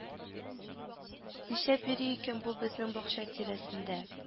Нишләп йөри икән бу безнең бакча тирәсендә